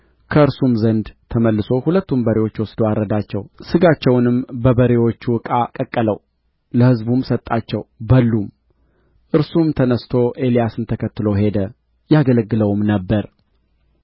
ከእርሱም ዘንድ ተመልሶ ሁለቱን በሬዎች ወስዶ አረዳቸው ሥጋቸውንም በበሬዎቹ ዕቃ ቀቀለው ለሕዝቡም ሰጣቸው በሉም እርሱም ተነሥቶ ኤልያስን ተከትሎ ሄደ ያገለግለውም ነበር